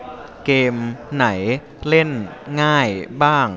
เกมไหนเล่นง่ายบ้าง